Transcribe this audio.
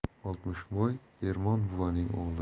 oltmishvoy ermon buvaning o'g'li